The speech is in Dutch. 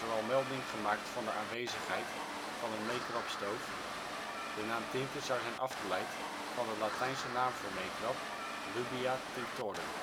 al melding gemaakt van de aanwezigheid van een meekrapstoof. De naam Tinte zou zijn afgeleid van de latijnse naam voor meekrap; Rubia tinctorum